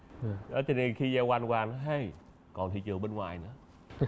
ấy cho nên khi quay qua mới hây còn thị trường bên ngoài nữa